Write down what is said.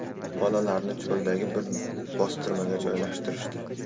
bolalarni cho'ldagi bir bostirmaga joylashtirishdi